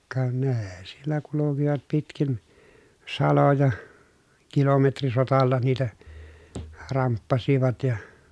ka ne siellä kulkivat pitkin saloja - kilometrisotalla niitä ramppasivat ja